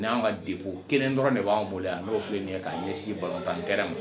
Nanw ka deku kelen dɔrɔn de banw bolo yan no filɛ nin ye ka ɲɛsin ballon tan terrain ma